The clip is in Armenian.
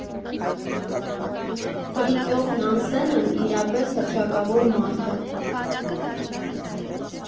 Ֆրիտյոֆ Նանսենն իրապես հռչակավոր մարդ է։